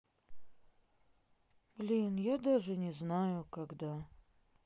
блин я даже не знаю когда